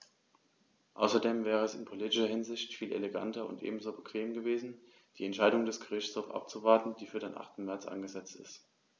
Außerdem wäre es in politischer Hinsicht viel eleganter und ebenso bequem gewesen, die Entscheidung des Gerichtshofs abzuwarten, die für den 8. März angesetzt ist.